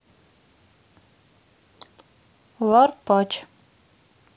вар пач